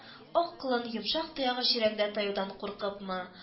Ак колын, йомшак тоягы чирәмдә таюдан куркыпмы